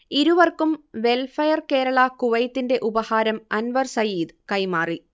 ഇരുവർക്കും വെൽഫെയർ കേരള കുവൈത്തിന്റെ ഉപഹാരം അൻവർ സയീദ് കൈമാറി